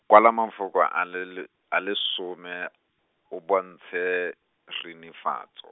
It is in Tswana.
kwala mafoko a le le, a le some, o bontshe, rinifatso.